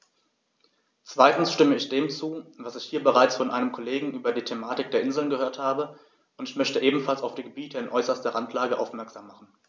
Zweitens stimme ich dem zu, was ich hier bereits von einem Kollegen über die Thematik der Inseln gehört habe, und ich möchte ebenfalls auf die Gebiete in äußerster Randlage aufmerksam machen.